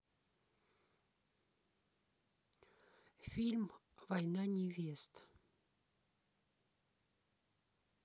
фильм война невест